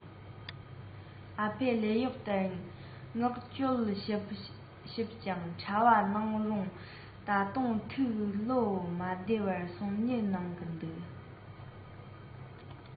ཨ ཕས ལས གཡོག དེར མངགས བཅོལ ཞིབ ཅིང ཕྲ བ གནང རུང ད དུང ཐུགས བློ མ བདེ བར སོམ ཉི གནང གིན འདུག